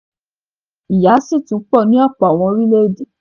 "Ìyà sì tún pọ̀ ní ọ̀pọ̀ àwọn orílẹ̀-èdè."